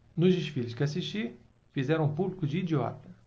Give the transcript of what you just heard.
nos desfiles que assisti fizeram o público de idiota